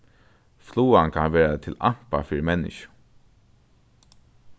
flugan kann vera til ampa fyri menniskju